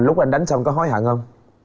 lúc anh đánh xong có hối hận không